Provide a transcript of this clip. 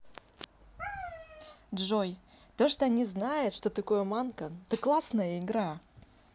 джой то что они знают что такое манка это классная игра